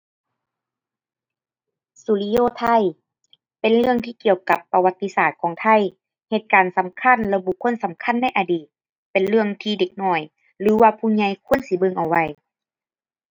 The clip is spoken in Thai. สุริโยทัยเป็นเรื่องที่เกี่ยวกับประวัติศาสตร์ของไทย เหตุการณ์สำคัญและบุคคลสำคัญในอดีต เป็นเรื่องที่เด็กน้อย หรือว่าผู้ใหญ่ควรสิเบิ่งเอาไว้